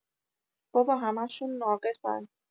بابا همشون ناقصن